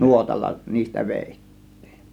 nuotalla niistä vedettiin